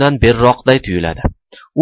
undan beriroqday tuyuladi